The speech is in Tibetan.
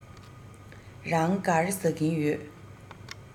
རང ག རེ ཟ གིན ཡོད